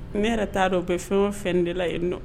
Ne yɛrɛ t'a dɔn o bɛ fɛn o fɛn de la ye nɔn